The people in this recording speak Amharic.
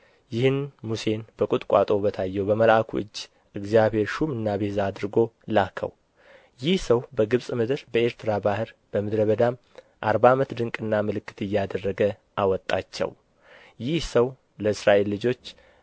ይህን ሙሴን በቍጥቋጦው በታየው በመልአኩ እጅ እግዚአብሔር ሹምና ቤዛ አድርጎ ላከው ይህ ሰው በግብፅ ምድርና በኤርትራ ባሕር በምድረ በዳም አርባ ዓመት ድንቅና ምልክት እያደረገ አወጣቸው ይህ ሰው ለእስራኤል ልጆች